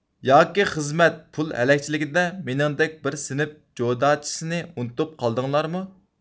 ياكى خىزمەت پۇل ھەلەكچىلىكىدە مېنىڭدەك بىر سىنىپ جوداچىسىنى ئۇنتۇپ قالدىڭلارمۇ